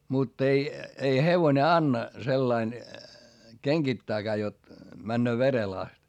mutta ei ei hevonen anna sellaisen kengittääkään jotta menee verelle asti